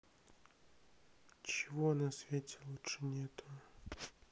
чего на свете лучше нету